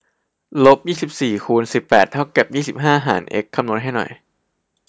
ลบยี่สิบสี่คูณสิบแปดเท่ากับยี่สิบห้าหารเอ็กซ์คำนวณให้หน่อย